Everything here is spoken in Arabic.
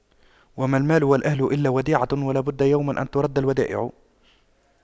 وما المال والأهلون إلا وديعة ولا بد يوما أن تُرَدَّ الودائع